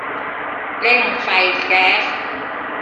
เร่งไฟแก๊ส